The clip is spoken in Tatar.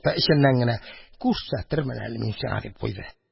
Эченнән генә: «Күрсәтермен әле мин сиңа!..» – дип куйды.